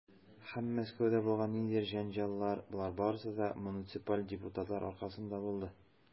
Һәм Мәскәүдә булган ниндидер җәнҗаллар, - болар барысы да муниципаль депутатлар аркасында булды.